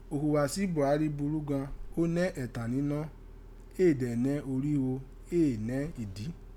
Ìhùwàsíi Buhari burú gan, ó nẹ́ ẹ̀tàn nínọ́, éè dẹ̀ nẹ́ orígho, éè nẹ́ ìdí.